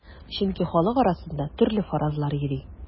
Чөнки халык арасында төрле фаразлар йөри.